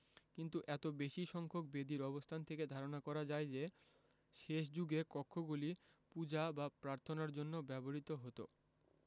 কিন্তু এত বেশি সংখ্যক বেদির অবস্থান থেকে ধারণা করা যায় যে শেষ যুগে কক্ষগুলি পূজা বা প্রার্থনার জন্য ব্যবহূত হতো